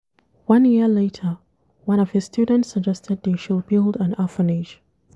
One year later, one of his students suggested they should build an orphanage.